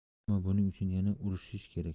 ammo buning uchun yana urushish kerak